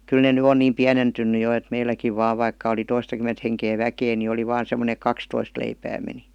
kyllä ne nyt on niin pienentynyt jo että meilläkin vain vaikka oli toistakymmentä henkeä väkeä niin oli vain semmoinen että kaksitoista leipää meni